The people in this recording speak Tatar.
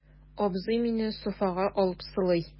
Абзый мине софага алып сылый.